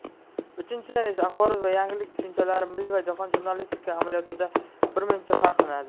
uchinchidan esa axborot va yangilik tushunchalari milliy va jahon jurnalistikasi amaliyotida birmuncha farqlanadi